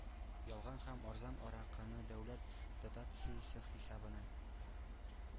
Ялган һәм арзан аракыны дәүләт дотациясе хисабына